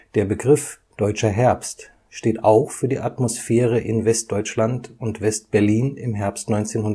Der Begriff „ Deutscher Herbst “steht auch für die Atmosphäre in Westdeutschland und West-Berlin im Herbst 1977